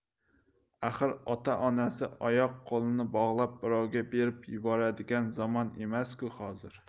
axir ota onasi oyoq qo'lini bog'lab birovga berib yuboradigan zamon emas ku hozir